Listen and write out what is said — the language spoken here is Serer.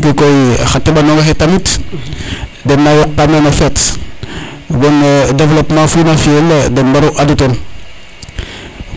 parce que koy xa teɓanongaxe tamit dena yoqa men o feet bon develeppement nu na fiyel den mbaru adu ten